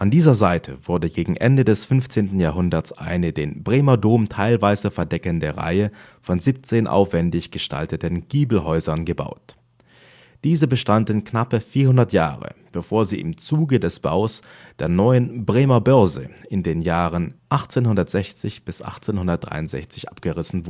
dieser Seite wurde gegen Ende des 15. Jahrhunderts eine den Bremer Dom teilweise verdeckende Reihe von 17 aufwändig gestalteten Giebelhäusern gebaut. Die Neue Börse mit dem Bremer Dom und dem Rathaus auf einer Postkarte um 1900 Diese bestanden knappe 400 Jahre, bevor sie im Zuge des Baus der Neuen Bremer Börse in den Jahren 1860 bis 1863 abgerissen